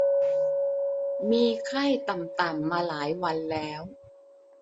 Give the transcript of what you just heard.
มีไข้ต่ำต่ำมาหลายวันแล้ว